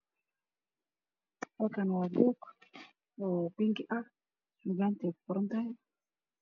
Halkan waa buug oo binki ah suganta eey kuqorantahay